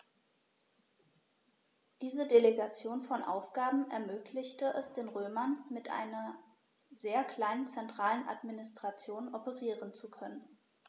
Diese Delegation von Aufgaben ermöglichte es den Römern, mit einer sehr kleinen zentralen Administration operieren zu können.